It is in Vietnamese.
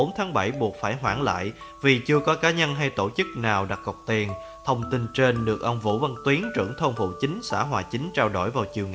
buộc phải hoãn lại vì chưa có cá nhân tổ chức nào đặt cọc tiền thông tin nêu trên được ông vũ văn tuyến trưởng thôn phụ chính trao đổi